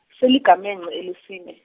seligamenxe elesine.